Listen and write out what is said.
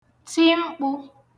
ti mkpū